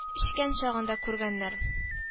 Эчкән чагын да күргәннәр